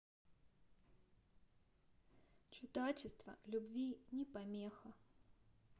чудачество любви не помеха